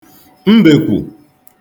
mbèkwù